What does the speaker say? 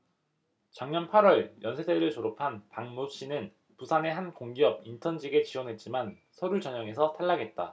작년 팔 월 연세대를 졸업한 박모씨는 부산의 한 공기업 인턴 직에 지원했지만 서류 전형에서 탈락했다